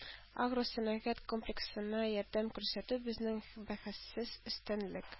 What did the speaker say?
“агросәнәгать комплексына ярдәм күрсәтү – безнең бәхәссез өстенлек”